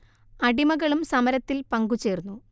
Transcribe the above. അടിമകളും സമരത്തിൽ പങ്കു ചേർന്നു